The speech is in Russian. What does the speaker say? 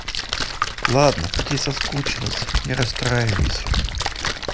ладно по тебе соскучилась не расстраивайся